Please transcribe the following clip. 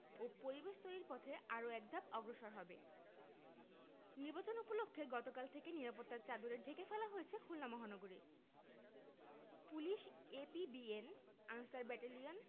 ও পরিবেশ তৈরির পথে আরো একধাপ অগ্রসর হবে নির্বাচন উপলক্ষে গতকাল থেকে নিরাপত্তার চাদরে ঢেকে ফেলা হয়েছে খুলনা মহানগরী পুলিশ এপিবিএন আনসার ব্যাটালিয়ান